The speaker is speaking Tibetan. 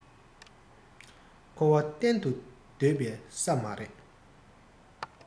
འཁོར བ གཏན དུ སྡོད པའི ས མ རེད